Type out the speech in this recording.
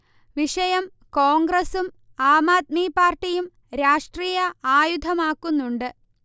വിഷയം കോൺഗ്രസും ആംആദ്മി പാർട്ടിയും രാഷ്ട്രീയ ആയുധമാക്കുന്നുണ്ട്